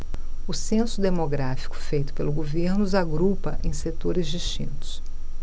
o censo demográfico feito pelo governo os agrupa em setores distintos